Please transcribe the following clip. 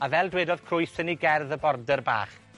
A fel dwedodd Crwys yn 'i gerdd y border bach,